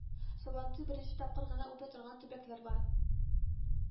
Сабантуй беренче тапкыр гына үтә торган төбәкләр бар